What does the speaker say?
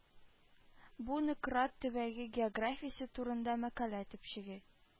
Бу Нократ төбәге географиясе турында мәкалә төпчеге